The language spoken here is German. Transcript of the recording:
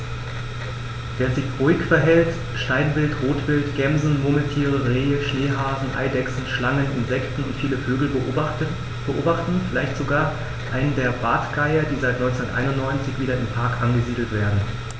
Wer sich ruhig verhält, kann Steinwild, Rotwild, Gämsen, Murmeltiere, Rehe, Schneehasen, Eidechsen, Schlangen, Insekten und viele Vögel beobachten, vielleicht sogar einen der Bartgeier, die seit 1991 wieder im Park angesiedelt werden.